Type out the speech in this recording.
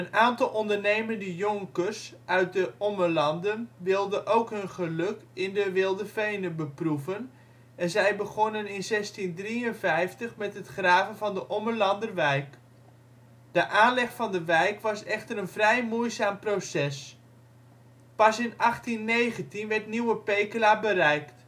aantal ondernemende jonkers uit de Ommelanden wilden ook hun geluk in de wilde venen beproeven en zij begonnen in 1653 met het graven van de Ommelanderwijk. De aanleg van de wijk was echter een vrij moeizaam proces. Pas in 1819 werd Nieuwe Pekela bereikt